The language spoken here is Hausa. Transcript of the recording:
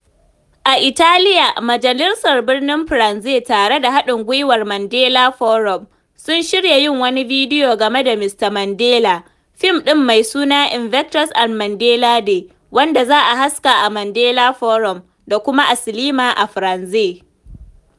A Italiya, Majalisar Birnin Firenze tare da haɗin gwiwar Mandela Forum, sun shirya yin wani bidiyo game da Mr Mandela, fim ɗin mai suna Invictus and Mandela Day, wanda za a haska a Mandela Forum, da kuma a silima a Firenze.